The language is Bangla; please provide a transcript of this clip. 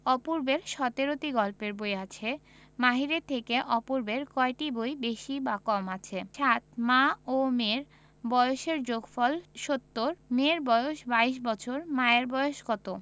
অপূর্বের ১৭টি গল্পের বই আছে মাহিরের থেকে অপূর্বের কয়টি বই বেশি বা কম আছে ৭ মা ও মেয়ের বয়সের যোগফল ৭০ মেয়ের বয়স ২২ বছর মায়ের বয়স কত